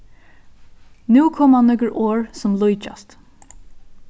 nú koma nøkur orð sum líkjast